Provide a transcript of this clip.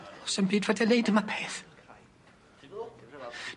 Sa'm byd fedrai neud am y peth.